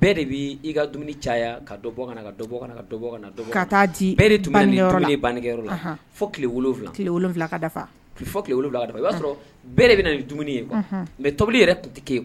bɛɛ de bɛ i ka dumuni caya ka bɔ ka taa di tunkɛ la fo tilewula tile wolonwula ka dafa fɔ tilewula i b'a sɔrɔ bɛɛ de bɛ na dumuni ye mɛ tobili yɛrɛ to tɛ kɔnɔ